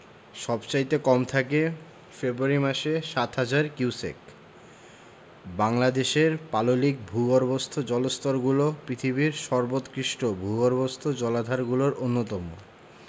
সবচাইতে কম থাকে ফেব্রুয়ারি মাসে ৭হাজার কিউসেক বাংলাদেশের পাললিক ভূগর্ভস্থ জলস্তরগুলো পৃথিবীর সর্বোৎকৃষ্টভূগর্ভস্থ জলাধারগুলোর অন্যতম